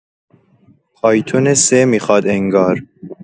پایتون ۳ میخواد انگار